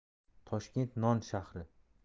toshkent non shahri